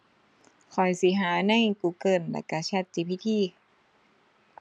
ข้อยสิหาใน Google แล้วก็ ChatGPT